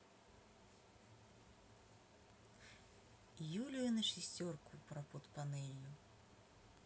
юлию на шестерку про под панелью